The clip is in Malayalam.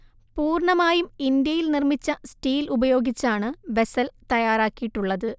പൂർണ്ണമായും ഇന്ത്യയിൽ നിർമ്മിച്ച സ്റ്റീൽ ഉപയോഗിച്ചാണ് വെസൽ തയ്യാറാക്കിയിട്ടുള്ളത്